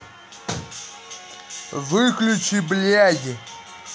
выключи блядь